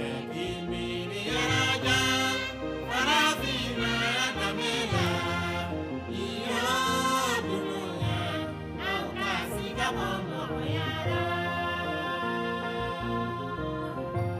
Bɛɛ k'i miiri yɔrɔ jan, farafinna danbe la, i yoo dunuya, an ka siga bɔ mɔgɔya la.